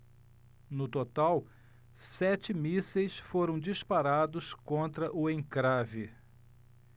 no total sete mísseis foram disparados contra o encrave